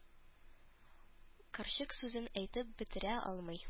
Карчык сүзен әйтеп бетерә алмый.